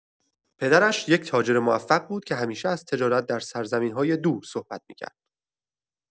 پدرش یک تاجر موفق بود که همیشه از تجارت در سرزمین‌های دور صحبت می‌کرد.